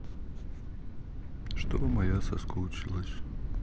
что моя соскучилась